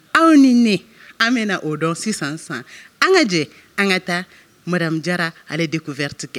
Aw ni ne an bɛna o dɔn sisan sisan an ka jɛ, an ka taa madame Jara ale découverte kɛ